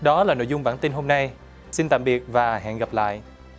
đó là nội dung bản tin hôm nay xin tạm biệt và hẹn gặp lại